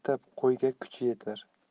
bitta qo'yga kuchi yetar